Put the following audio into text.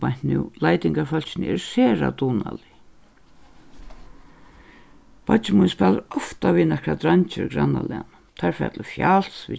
beint nú leitingarfólkini eru sera dugnalig beiggi mín spælir ofta við nakrar dreingir í grannalagnum teir fara til fjals